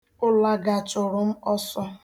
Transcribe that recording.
Ụlaga chụrụ m ọsọ